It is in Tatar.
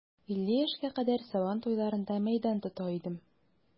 Илле яшькә кадәр сабан туйларында мәйдан тота идем.